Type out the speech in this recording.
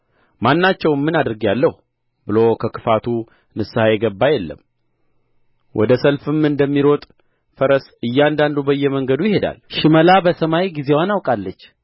ማናቸውንም ምን አድርጌአለሁ ብሎ ከክፋቱ ንስሐ የገባ የለም ወደ ሰልፍም እንደሚሮጥ ፈረስ እያንዳንዱ በየመንገዱ ይሄዳል ሽመላ በሰማይ ጊዜዋን አውቃለች